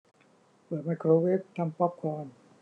เปิดไมโครเวฟทำป๊อปคอร์น